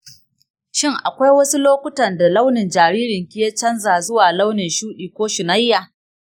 shin akwai wasu lokuntan da launin jaririnki ya canza zuwa launin shudi ko shunayya?